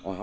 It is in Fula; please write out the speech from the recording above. wa*